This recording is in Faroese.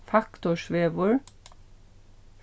faktorsvegur